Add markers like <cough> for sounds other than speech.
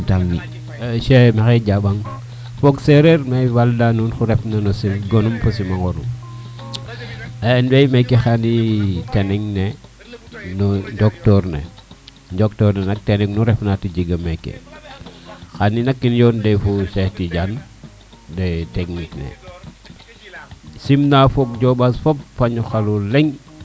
<music> Cheikh maxey jaɓaaŋ fog sereer maxey walda nuun xotatinan no Cheikh gonum fo simangolum in way meke xani kene ne no <music> njoktoor ne njoktoor ne nak tening nu ref na te jega meke xani nak i yon de fo cheikh Tidiane de tegnit ne simna fog jombas fop faño xalo leŋ